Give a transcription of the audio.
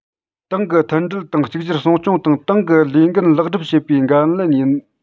ཏང གི མཐུན སྒྲིལ དང གཅིག གྱུར སྲུང སྐྱོང དང ཏང གི ལས འགན རྣམས ལེགས འགྲུབ བྱེད པའི འགན ལེན ཡིན